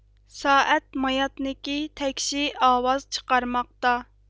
سائەت ماياتنىكى تەكشى ئاۋاز چىقارماقتا